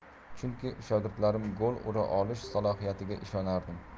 chunki shogirdlarim gol ura olish salohiyatiga ishonardim